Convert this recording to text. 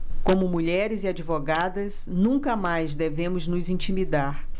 como mulheres e advogadas nunca mais devemos nos intimidar